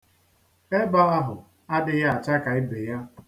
Ebe ahụ adịghị acha ka ibe ya.